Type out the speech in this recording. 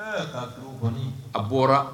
Kɔni a bɔra